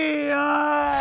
ơi